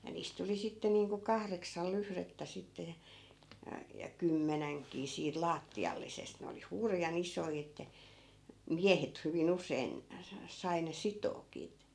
ja niistä tuli sitten niin kuin kahdeksan lyhdettä sitten ja ja ja kymmenenkin siitä lattiallisesta ne oli hurjan isoja että miehet hyvin usein - sai ne sitoakin -